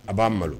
A b'aan malo